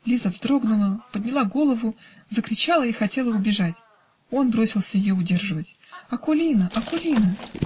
Лиза вздрогнула, подняла голову, закричала и хотела убежать. Он бросился ее удерживать. "Акулина, Акулина!.